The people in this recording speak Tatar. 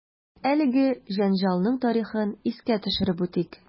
Әлеге җәнҗалның тарихын искә төшереп үтик.